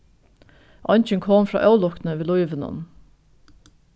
eingin kom frá ólukkuni við lívinum